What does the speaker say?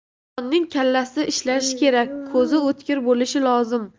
dehqonning kallasi ishlashi kerak ko'zi o'tkir bo'lishi lozim